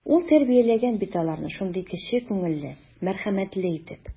Ул тәрбияләгән бит аларны шундый кече күңелле, мәрхәмәтле итеп.